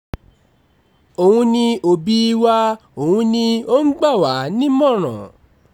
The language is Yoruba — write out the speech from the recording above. Òun ni òbíi wa, òun ni ó ń gbà wá nímọ̀ràn.